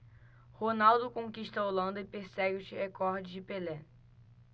ronaldo conquista a holanda e persegue os recordes de pelé